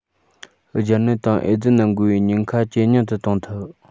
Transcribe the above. སྦྱར ནད དང ཨེ ཙི ནད འགོ བའི ཉེན ཁ ཇེ ཉུང དུ གཏོང ཐུབ